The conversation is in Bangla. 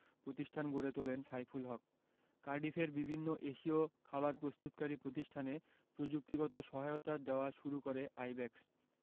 প্রতিষ্ঠান গড়ে তোলেন সাইফুল হক কার্ডিফের বিভিন্ন এশীয় খাবার প্রস্তুতকারী প্রতিষ্ঠানে প্রযুক্তিগত সহায়তা দেওয়া শুরু করে আইব্যাকস